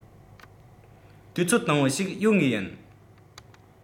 དུས ཚོད དུམ བུ ཞིག ཡོད ངེས ཡིན